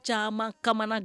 Caman kamana